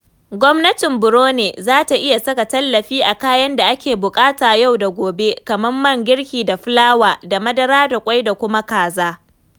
Gwamnatin Brunei za ta iya saka tallafi a kayan da ake buƙata yau da gobe kamar man girki da fulawa da madara da ƙwai da kuma kaza.